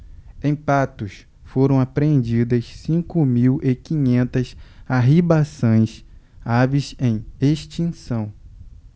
em patos foram apreendidas cinco mil e quinhentas arribaçãs aves em extinção